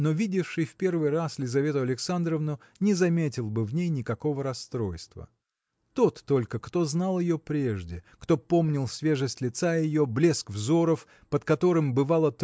но видевший в первый раз Лизавету Александровну не заметил бы в ней никакого расстройства. Тот только кто знал ее прежде кто помнил свежесть лица ее блеск взоров под которым бывало